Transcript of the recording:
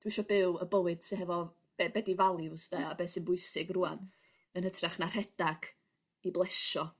dwi isio byw y bywyd sy hefo be' be' 'di values 'de a beth sy'n bwysig rŵan yn hytrach na rhedag i blesio.